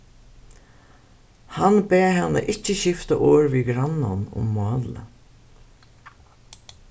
hann bað hana ikki skifta orð við grannan um málið